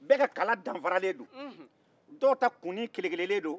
bɛɛ ka kala danfaralen don dɔw ta kunni kɛlɛ-kɛlɛlen don